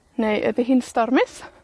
Neu ydi hi'n stormus?